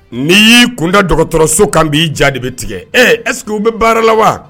N'i y'i kunda dɔgɔtɔrɔso kan b'i jaabi de bɛ tigɛ ɛ ɛsseke u bɛ baara la wa